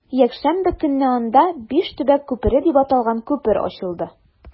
Якшәмбе көнне анда “Биш төбәк күпере” дип аталган күпер ачылды.